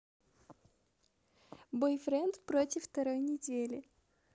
бойфренд против второй недели